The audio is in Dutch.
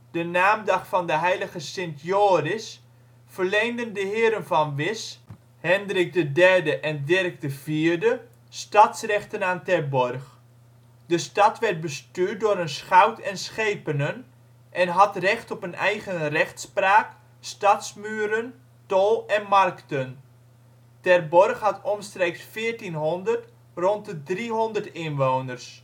de naamdag van de heilige Sint Joris, verleenden de heren van Wisch, Hendrik III en Dirk IV, stadsrechten aan Terborg. De stad werd bestuurd door een schout en schepenen en had recht op een eigen rechtspraak, stadsmuren, tol en markten. Terborg had omstreeks 1400 rond de 300 inwoners